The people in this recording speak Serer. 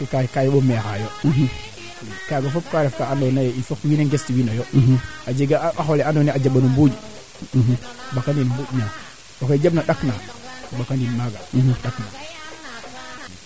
faak reko fogum a jega o qola ando naye ona reta ma il faut o jax no qol no kiin ndaa o yaalum kaate leyee e wee mbeer na mene aniin no e kaa ndi'in yaama nga'aye mene kaa duufel